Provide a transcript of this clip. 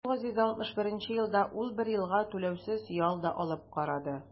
1961 елда ул бер елга түләүсез ял да алып карады.